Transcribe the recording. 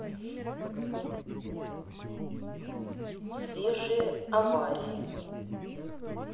свежие аварии